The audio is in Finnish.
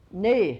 niin